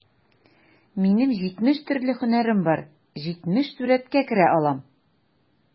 Минем җитмеш төрле һөнәрем бар, җитмеш сурәткә керә алам...